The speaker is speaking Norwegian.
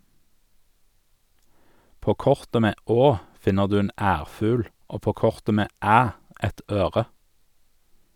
På kortet med Å, finner du en ærfugl, og på kortet med Æ et øre.